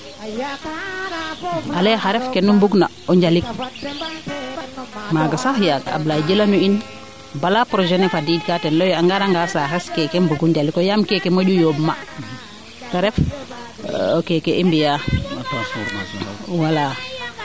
ale xaa ref keeneu mbug na o njalik maaga sax yaaga Ablaye jilanu in bala projet ne fadiid kaa ten leyu yee a ngara nga saaxes keeke mbugu njalikoyo yaam keeke moƴu yoomb ma te ref keeke i mbiya wala